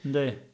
Yndi.